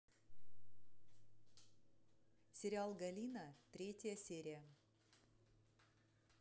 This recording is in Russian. сериал галина третья серия